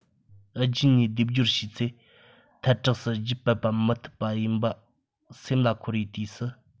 རྒྱུད གཉིས སྡེབ སྦྱོར བྱས ཚེ ཐལ དྲགས སུ རྒྱུད པ སྤེལ མི ཐུབ པ ཡིན པ སེམས ལ འཁོར བའི དུས སུ